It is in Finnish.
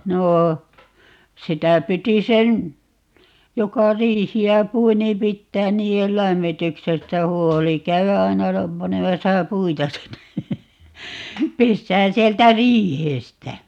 no sitä piti sen joka riihtä pui niin pitää niiden lämmityksestä huoli käydä aina panemassa puita sinne pesään sieltä riihestä